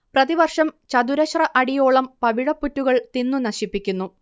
പ്രതിവർഷം ചതുരശ്ര അടിയോളം പവിഴപ്പുറ്റുകൾ തിന്നു നശിപ്പിക്കുന്നു